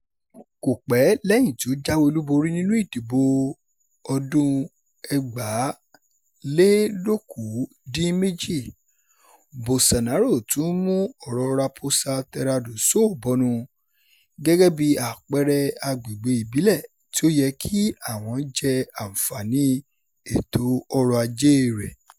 Kò pẹ́ lẹ́yìn tí ó jáwé olúborí nínú ìdìbò 2018, Bolsonaro tún mú ọ̀rọ̀ Raposa Terra do Sol bọnu gẹ́gẹ́ bí àpẹẹrẹ agbègbè ìbílẹ̀ tí ó yẹ kí àwọn jẹ àǹfààní ètò ọrọ̀-ajée rẹ̀.